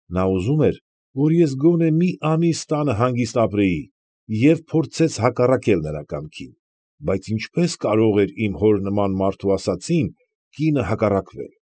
Նա ուզում էր, որ ես գոնե մի ամիս տանը հանգիստ ապրեի, և փորձեց հակառակել նրա կամքին, բայց ի՜նչպես կարող էր իմ հոր նման մարդու ասածին կինը հակառակել։